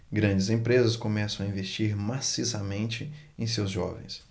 grandes empresas começam a investir maciçamente em seus jovens